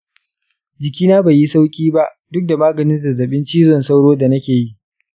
jikina bai yi sauƙi ba duk da maganin zazzabin cizon sauro da nake yi.